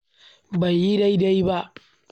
Bai Yi Daida Ba